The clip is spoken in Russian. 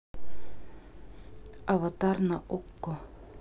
аватар на окко